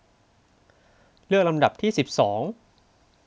เลือกลำดับที่สิบสอง